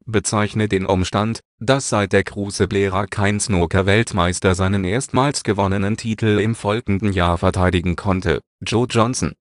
bezeichnet den Umstand, dass seit der Crucible-Ära kein Snookerweltmeister seinen erstmals gewonnenen Titel im folgenden Jahr verteidigen konnte. Joe Johnson